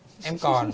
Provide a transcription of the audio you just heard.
em còn